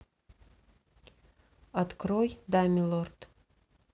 открой да милорд